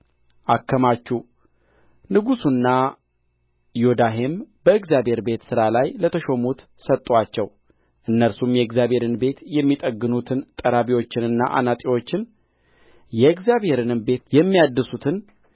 አከማቹ ንጉሡና ዮዳሄም በእግዚአብሔር ቤት ሥራ ላይ ለተሾሙት ሰጡአቸው እነርሱም የእግዚአብሔርን ቤት የሚጠግኑትን ጠራቢዎችንና አናጢዎችን የእግዚአብሔርንም ቤት የሚያድሱትን